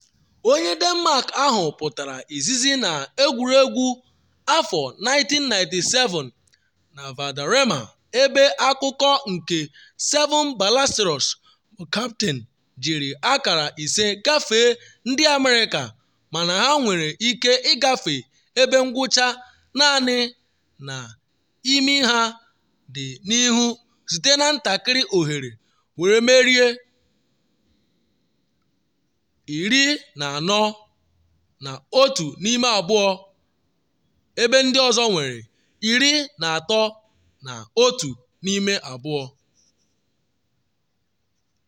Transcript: Onye Denmark ahụ pụtara izizi na egwuregwu 1997 na Valderrama, ebe akụkụ nke Seven Ballesteros bụ Captain jiri akara ise gafee ndị America mana ha nwere ike ịgafe ebe ngwucha naanị na imi ha dị n’ihu site na ntakịrị oghere, were merie 14½-13½.